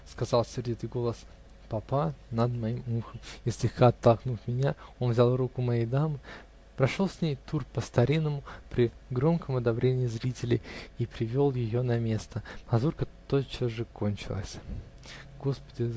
-- сказал сердитый голос папа над моим ухом, и, слегка оттолкнув меня, он взял руку моей дамы, прошел с ней тур по-старинному, при громком одобрении зрителей, и привел ее на место. Мазурка тотчас же кончилась. "Господи!